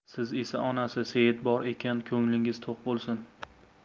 siz esa onasi seit bor ekan ko'nglingiz to'q bo'lsin